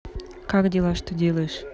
как дела что делаешь